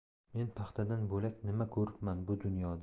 men paxtadan bo'lak nima ko'ribman bu dunyoda